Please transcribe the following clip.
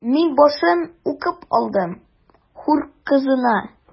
Мин башын укып алдым: “Хур кызына”.